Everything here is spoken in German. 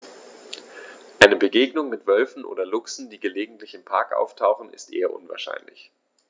Eine Begegnung mit Wölfen oder Luchsen, die gelegentlich im Park auftauchen, ist eher unwahrscheinlich.